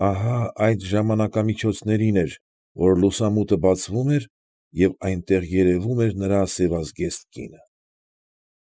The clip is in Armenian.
Ահա այդ ժամանակամիջոցներին էր, որ լուսամուտը բացվում էր, և այնտեղ երևում էր նրա սևազգեստ կինը։